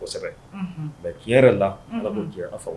Kosɛbɛ, unhun mais tiɲɛ yɛrɛ la, unhun, Ala ko tiɲɛ a fagon na